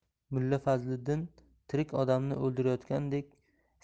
mulla fazliddin tirik odamni o'ldirayotgandek